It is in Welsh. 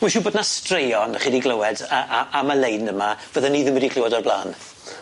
Wy'n siŵr bod 'na straeon chi di glywed a- a- am y lein yma fyddwn ni ddim wedi clywed o'r bla'n.